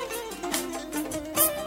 Sangɛnin yo